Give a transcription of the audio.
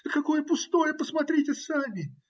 - Какое пустое, посмотрите сами!